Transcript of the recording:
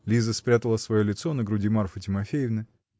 -- Лиза спрятала свое лицо на груди Марфы Тимофеевны.